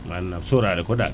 maanaam sóoraale ko daal